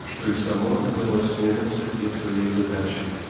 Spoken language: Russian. что и само оказалось не на высоте своей задачи